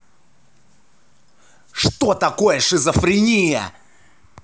что такое шизофрения